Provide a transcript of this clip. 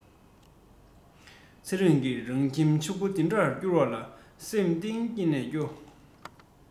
ཚེ རིང གི རང ཁྱིམ ཕྱུག པོ འདི འདྲ བསྐུར བ ལ སེམས གཏིང ནས སྐྱོ